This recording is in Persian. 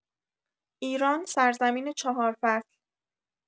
ایران، سرزمین چهار فصل